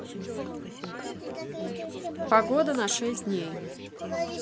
погода на шесть дней